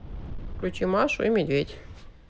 включи машу и медведь